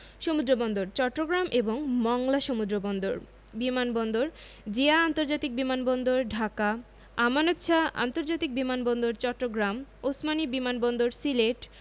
সমুদ্রবন্দরঃ চট্টগ্রাম এবং মংলা সমুদ্রবন্দর বিমান বন্দরঃ জিয়া আন্তর্জাতিক বিমান বন্দর ঢাকা আমানত শাহ্ আন্তর্জাতিক বিমান বন্দর চট্টগ্রাম ওসমানী বিমান বন্দর সিলেট